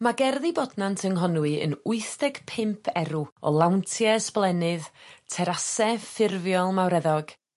Ma' Gerddi Bodnant yng Nghonwy yn wyth deg pump erw o lawntie ysblennydd terase ffurfiol mawreddog,